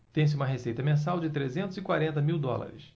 tem-se uma receita mensal de trezentos e quarenta mil dólares